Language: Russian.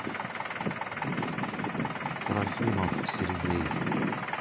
трофимов сергей